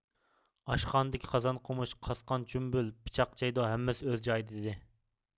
ئاشخانىدىكى قازان قومۇچ قاسقان جۈمبۈل پىچاق چەيدۇ ھەممىسى ئۆز جايىدا ئىدى